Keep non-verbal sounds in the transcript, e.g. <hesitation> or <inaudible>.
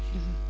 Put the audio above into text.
<hesitation> <hesitation>